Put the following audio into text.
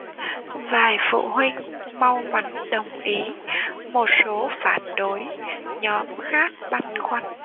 vài phụ huynh mau mắn đồng ý một số phản đối nhóm khác băn khoăn